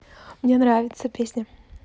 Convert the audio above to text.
мне нравится песня